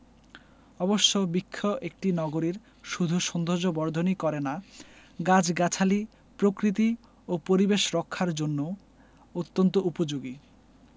অবশ্য বৃক্ষ একটি নগরীর শুধু সৌন্দর্যবর্ধনই করে না গাছগাছালি প্রকৃতি ও পরিবেশ রক্ষার জন্যও অত্যন্ত উপযোগী